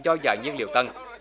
do giá nhiên liệu tăng